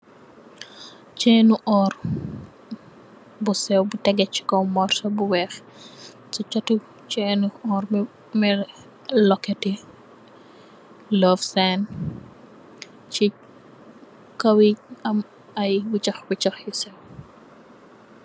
Chinno oor bu sewow bu tekk ge ci kaw mursu bu weex, ci chaatu chinno oor mell loket love sine, ci kaw mu am ay wechax wechax.